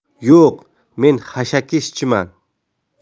yo'q men xashaki ishchiman